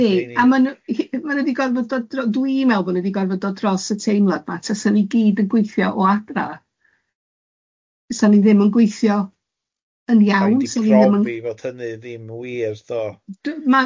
Yndi, a ma nhw ma nhw wedi gorfod dodro- dwi'n meddwl bod nhw wedi gorfod dod dros y teimlad yma, sa ni gyd yn gweithio o adra, tasa ni ddim yn gweithio yn iawn, sa ni ddim yn... Ma di profi fod hynny ddim wir do.